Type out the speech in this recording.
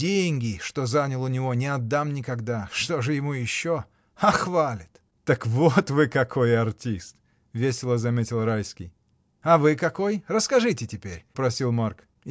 Деньги, что занял у него, не отдам никогда. Что же ему еще? А хвалит! — Так вот вы какой артист! — весело заметил Райский. — А вы какой? Расскажите теперь! — просил Марк.